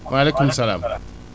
maaleykum salaam